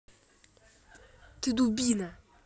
ты дубина